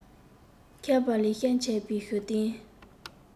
མཁས པ ལེགས བཤད འཆད པའི ཞུ རྟེན